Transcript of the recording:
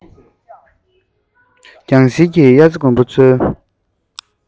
རྒྱང ཤེལ གྱིས དབྱར རྩྭ དགུན འབུ འཚོལ